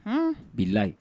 Huun; Bilahi.